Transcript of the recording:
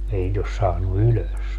ei niitä ole saanut ylös